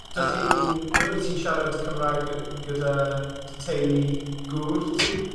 'Dych chi'n... w- wyt ti'n siarad Cymraeg yy gyda dy teulu? Gŵr ti?